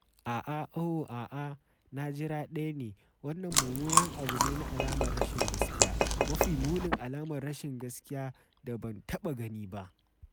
A’a, uh, a’a, na jira ɗaya ne - wannan mummunan abu ne na alamar rashin gaskiya - mafi munin alamar rashin gaskiya da ban taɓa gani ba.”